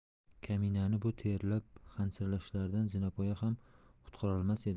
kaminani bu terlab hansirashlardan zinapoya ham qutqarolmas edi